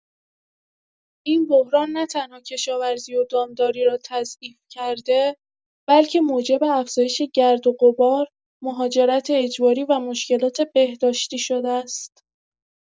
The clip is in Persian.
این بحران نه‌تنها کشاورزی و دامداری را تضعیف کرده، بلکه موجب افزایش گردوغبار، مهاجرت اجباری و مشکلات بهداشتی شده است.